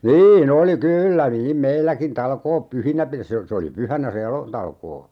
niin oli kyllä niin meilläkin talkoot pyhinä - se - se oli pyhänä se - elotalkoo